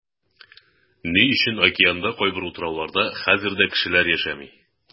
Ни өчен океанда кайбер утрауларда хәзер дә кешеләр яшәми?